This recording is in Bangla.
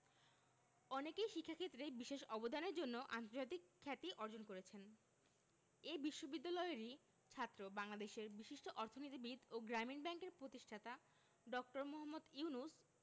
ডিগ্রিপ্রাপ্ত অনেকেই শিক্ষাক্ষেত্রে বিশেষ অবদানের জন্য আন্তর্জাতিক খ্যাতি অর্জন করেছেন এ বিশ্ববিদ্যালয়েরই ছাত্র বাংলাদেশের বিশিষ্ট অর্থনীতিবিদ ও গ্রামীণ ব্যাংকের প্রতিষ্ঠাতা ড. মোহাম্মদ ইউনুস